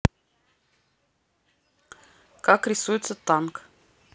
как рисуется танк